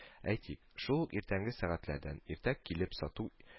Әйтик, шул ук иртәнге сәгатьләрдән, иртән килеп сату